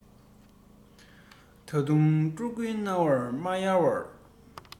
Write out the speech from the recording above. ད དུང ཕྲུ གུའི སྣང བས མ རེངས པར